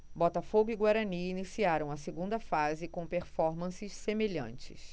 botafogo e guarani iniciaram a segunda fase com performances semelhantes